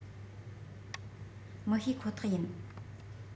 མི ཤེས ཁོ ཐག ཡིན